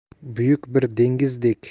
buyuk bir dengizdek